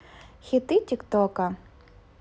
хиты тик тока